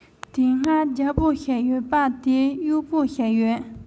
དེ སྔ རྒྱལ པོ ཞིག ཡོད པ དེར གཡོག པོ ཞིག ཡོད